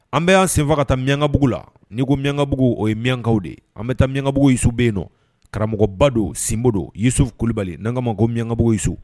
An bɛ' senfa kata miyankabugu la ni ko miyankabugu o ye miyankaw de an bɛ taa miyankabugusu bɛ yen nɔ karamɔgɔba don sinbondosufulibali n' ka ma ko miyankabugusu